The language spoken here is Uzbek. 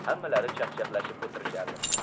hammalari chaqchaqlashib o'tirishardi